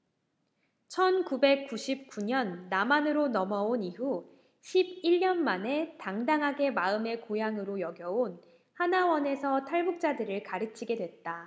천 구백 구십 구 년 남한으로 넘어온 이후 십 일 년 만에 당당하게 마음의 고향으로 여겨온 하나원에서 탈북자들을 가르치게 됐다